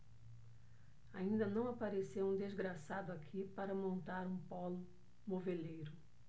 ainda não apareceu um desgraçado aqui para montar um pólo moveleiro